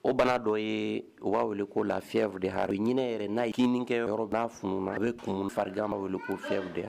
O banna dɔ ye u b'a weele ko la fɛnw de harru ɲinin yɛrɛ n'a ye kinini kɛ yɔrɔda fun na a bɛ kun farijan ma wele ko fɛnw de